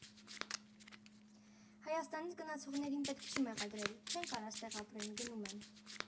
Հայաստանից գնացողներին պետք չի մեղադրել, չեն կարա ստեղ ապրեն՝ գնում են։